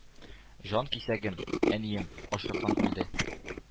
Җанкисәгем — әнием — ачлыктан үлде.